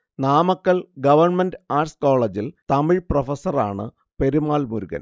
Namakkal government arts കോളേജിൽ തമിഴ് പ്രഫസറാണ് പെരുമാൾ മുരുഗൻ